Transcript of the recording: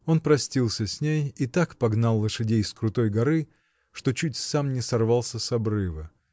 Он простился с ней и так погнал лошадей с крутой горы, что чуть сам не сорвался с обрыва.